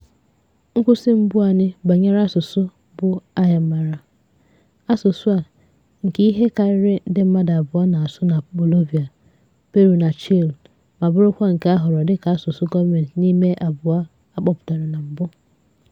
Nkwụsị mbụ anyị banyere asụsụ bụ Aymara; asụsụ a, nke ihe karịrị nde mmadụ abụọ na-asụ na Bolivia, Peru na Chile ma bụrụkwa nke a họọrọ dịka asụsụ gọọmentị n'ime abụọ a kpọpụtara na mbụ.